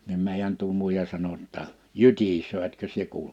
niin meidän tuo muija sanoi jotta jytisee etkö sinä kuule